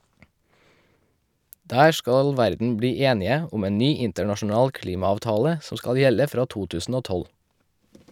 Der skal verden bli enige om en ny internasjonal klimaavtale som skal gjelde fra 2012.